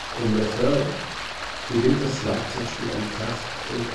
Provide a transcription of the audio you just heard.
Im Refrain gewinnt das Schlagzeugspiel an Kraft und